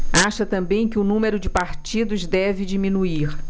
acha também que o número de partidos deve diminuir